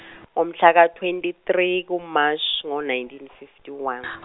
ngomhla ka twenty three ku- March ngo- nineteen fifty one.